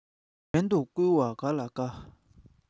བྲན དུ བཀོལ བར ག ལ དཀའ